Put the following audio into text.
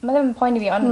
Ma' ddim yn poeni fi on'...